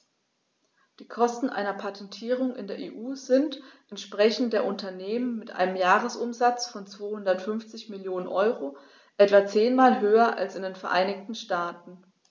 Die Kosten einer Patentierung in der EU sind, entsprechend der Unternehmen mit einem Jahresumsatz von 250 Mio. EUR, etwa zehnmal höher als in den Vereinigten Staaten.